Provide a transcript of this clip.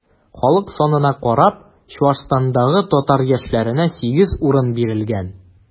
Халык санына карап, Чуашстандагы татар яшьләренә 8 урын бирелгән.